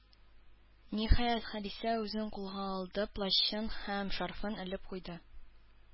Ниһаять, Халисә үзен кулга алды, плащын һәм шарфын элеп куйды.